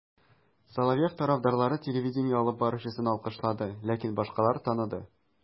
Соловьев тарафдарлары телевидение алып баручысын алкышлады, ләкин башкалар таныды: